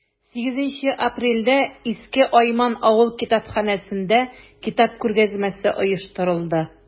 8 апрельдә иске айман авыл китапханәсендә китап күргәзмәсе оештырылды.